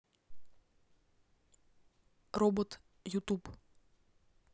робот ютуб